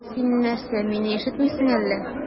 Син нәрсә, мине ишетмисеңме әллә?